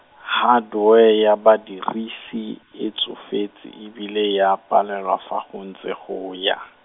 Hardware ya badirisi, e tsofetse e bile e a palelwa fa go ntse go ya.